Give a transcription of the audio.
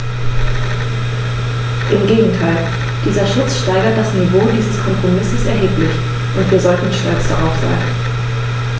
Im Gegenteil: Dieser Schutz steigert das Niveau dieses Kompromisses erheblich, und wir sollten stolz darauf sein.